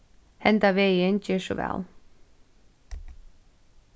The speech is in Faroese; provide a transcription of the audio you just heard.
henda vegin ger so væl